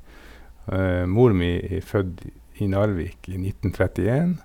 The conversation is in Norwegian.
Mor mi er født i Narvik i nitten trettien.